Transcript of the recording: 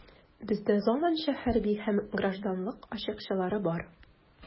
Бездә заманча хәрби һәм гражданлык очкычлары бар.